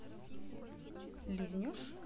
лизнешь